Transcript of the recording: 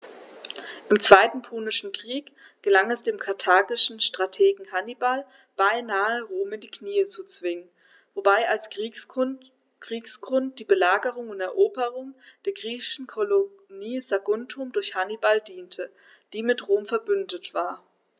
Im Zweiten Punischen Krieg gelang es dem karthagischen Strategen Hannibal beinahe, Rom in die Knie zu zwingen, wobei als Kriegsgrund die Belagerung und Eroberung der griechischen Kolonie Saguntum durch Hannibal diente, die mit Rom „verbündet“ war.